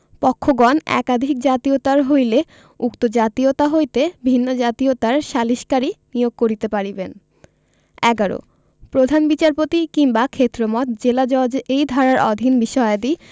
পক্ষঘণ একাধিক জাতীয়তার হইলে উক্ত জাতয়িতা হইতে ভিন্ন জাতীয়তার সালিসকারী নিয়োগ করিতে পারিবেন ১১ প্রধান বিচারপতি কিংবা ক্ষেত্রমত জেলাজজ এই ধারার অধীন বিষয়াদি